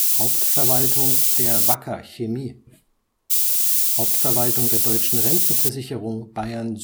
Hauptverwaltung der Wacker Chemie Hauptverwaltung der Deutschen Rentenversicherung Bayern